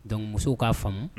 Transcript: Dɔnku musow k'a fa